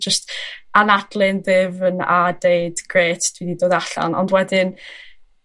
jyst anadlu'n ddyfn a deud grêt, dwl 'di dod allan. Ond wedyn